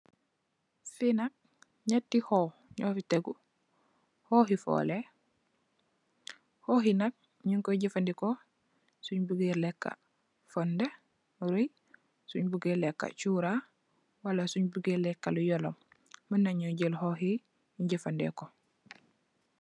Fi nak ñénti kook ñu fii tegeh , kook gi folé, kook yi nak ñing koy jafandiko sin bugéé lekka fonde, ruuy, sun bugéé lekka curaa wala sun bugéé lekka lu yolom.